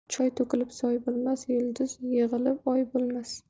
choy to'kilib soy bo'lmas yulduz yig'ilib oy bo'lmas